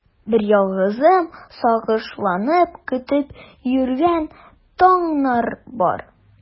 Берьялгызым сагышланып көтеп йөргән таңнар бар.